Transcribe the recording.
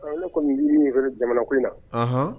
Ne kɔni bɛ min f'i ye jamana ko in na, anhan